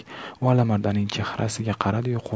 u alimardonning chehrasiga qaradi yu